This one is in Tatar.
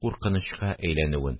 Куркынычка әйләнүен